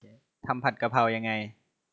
ทำผัดกะเพรายังไง